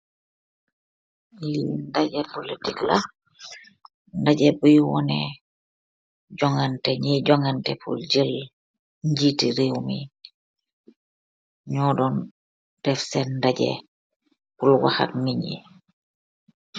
Lee ndageh politic la ndageh boi woneh jogante nyui joganteh bul jeel ngiti reew mee nyo don def sen ndageh pul wah ak nittye.